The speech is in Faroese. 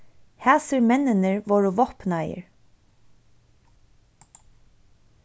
hasir menninir vóru vápnaðir